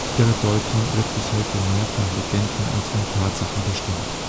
Ihre Deutung wird bis heute mehr von Legenden als von Tatsachen bestimmt